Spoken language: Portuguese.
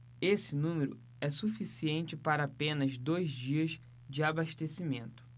esse número é suficiente para apenas dois dias de abastecimento